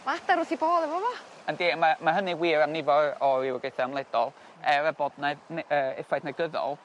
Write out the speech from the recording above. Ma' adar wrth 'u bodd efo fo. Yndi a ma' ma' hynny'n wir am nifer o rywogaetha ymledol er y bod 'na ne- yy effaith negyddol